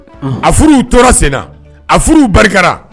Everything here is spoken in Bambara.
A furu tora sen a furu barika